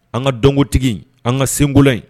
An ka dɔnkilitigi an ka sen in